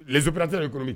Zpte yen kɔni